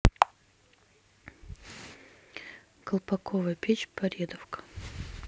колпаковая печь поредовка